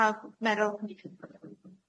Paw- Meryl?